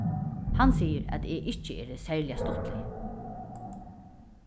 hann sigur at eg ikki eri serliga stuttlig